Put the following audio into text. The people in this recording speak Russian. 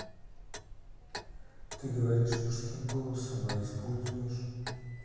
ты говоришь мужским голосом а используешь